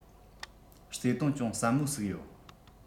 བརྩེ དུང གཅུང ཟབ མོ ཟུག ཡོད